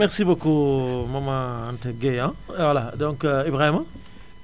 merci beaucoup maman Anta Gueye ah voilà donc Ibrahima